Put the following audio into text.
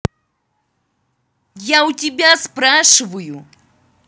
я у тебя спрашиваю